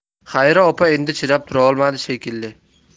xayri opa endi chidab turolmadi shekilli